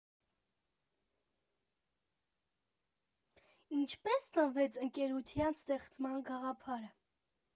Ինչպե՞ս ծնվեց ընկերության ստեղծման գաղափարը։